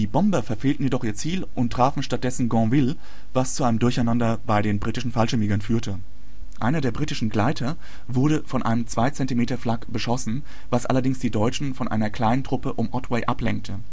Bomber verfehlten jedoch ihr Ziel und trafen stattdessen Gonneville, was zu einem Durcheinander bei den britischen Fallschirmjägern führte. Einer der britischen Gleiter wurde von einer 2-cm-Flak abgeschossen, was allerdings die Deutschen von einer kleinen Truppe um Otway ablenkte